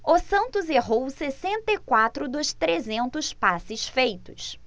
o santos errou sessenta e quatro dos trezentos passes feitos